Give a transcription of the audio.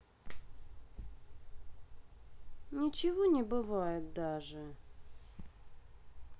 ничего не бывает даже